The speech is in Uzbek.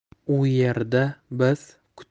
u yerda biz